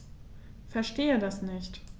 Verstehe das nicht.